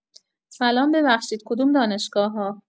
سلام ببخشید کدوم دانشگاه‌‌ها؟